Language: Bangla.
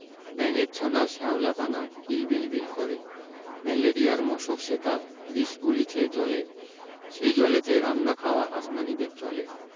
ব্যাঙের ছানা শ্যাওলা পানা কিল বিল বিল করে ম্যালেরিয়ার মশক সেথা বিষ গুলিছে জলে সেই জলেতে রান্না খাওয়া আসমানীদের চলে